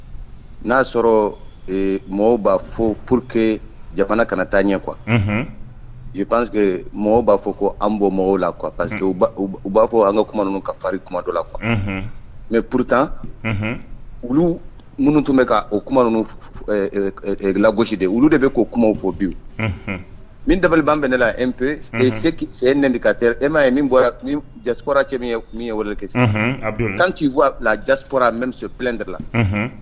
N'a y'a sɔrɔ mɔgɔw b'a fɔ p que kana taa ɲɛ kuwa use b'a fɔ ko an bɔ mɔgɔw la parce que u b'a fɔ an ka ka faririndo la kuwa mɛ ptan olu minnu tun bɛ lagosi de olu de bɛ k'o kuma fo bi min dabaliban bɛ ne la e m'a ye bɔra jakɔrɔ cɛ min min yewale kɛ kan p de la